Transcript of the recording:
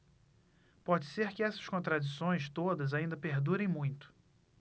pode ser que estas contradições todas ainda perdurem muito